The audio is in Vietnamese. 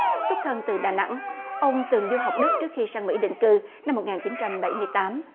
xuất thân từ đà nẵng ông từng du học đức trước khi sang mỹ định cư năm một ngàn chín trăm bảy mươi tám